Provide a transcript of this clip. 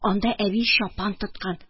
Анда әби чапан тоткан.